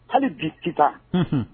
Hali bi Kita. Unhun.